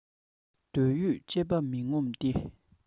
འདོད ཡོན སྤྱད པས མི ངོམས ཏེ